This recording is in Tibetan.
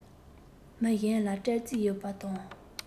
མི གཞན ལ སྤྲད རྩིས ཡོད པ དང